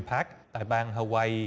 phắc tại bang hu goai i